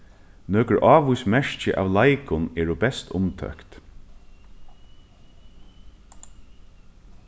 nøkur ávís merki av leikum eru best umtókt